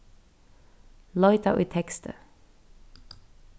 leita í teksti